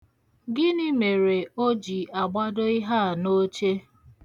Gịnị mere o ji agbado ihe a n'oche?